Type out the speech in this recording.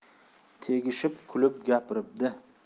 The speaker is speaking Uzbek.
tegishib kulib gapiribdi